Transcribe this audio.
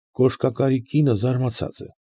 Կոշկակարի կինը զարմացած է։